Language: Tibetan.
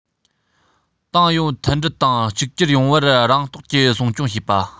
ཏང ཡོངས མཐུན སྒྲིལ དང གཅིག གྱུར ཡོང བར རང རྟོགས ཀྱིས སྲུང སྐྱོང བྱེད པ